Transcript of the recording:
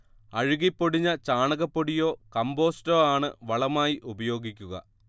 അഴുകിപ്പൊടിഞ്ഞ ചാണകപ്പൊടിയോ കമ്പോസ്റ്റോ ആണു് വളമായി ഉപയോഗിക്കുക